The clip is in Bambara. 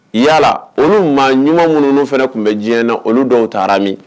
Yala olu maa ɲuman mjnun fana kun bɛ diɲɛ na olu dɔw taara min?